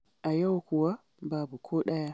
“A yau kuwa, babu ko ɗaya.”